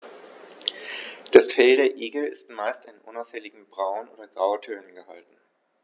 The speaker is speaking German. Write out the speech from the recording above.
Das Fell der Igel ist meist in unauffälligen Braun- oder Grautönen gehalten.